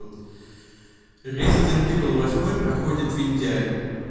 resident evil восьмой проходит виндяй